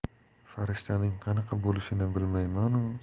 farishtaning qanaqa bo'lishini bilmaymanu